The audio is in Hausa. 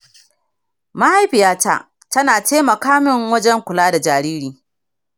mahaifiyata tana taimaka min wajen kula da jariri.